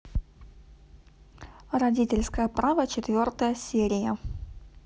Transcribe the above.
родительское право четвертая серия